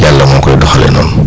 yàlla moo koy doxalee noonu